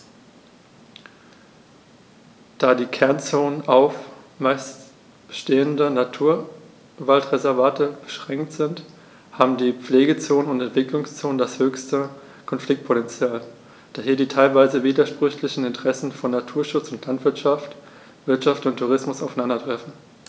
Da die Kernzonen auf – zumeist bestehende – Naturwaldreservate beschränkt sind, haben die Pflegezonen und Entwicklungszonen das höchste Konfliktpotential, da hier die teilweise widersprüchlichen Interessen von Naturschutz und Landwirtschaft, Wirtschaft und Tourismus aufeinandertreffen.